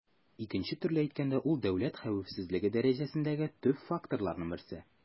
Икенче төрле әйткәндә, ул дәүләт хәвефсезлеге дәрәҗәсендәге төп факторларның берсе.